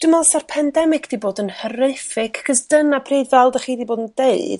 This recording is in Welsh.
dwi'n meddwl 'sa'r pandemig 'di bod yn horrificcos dyna pryd fel 'da chi 'di bod yn d'eud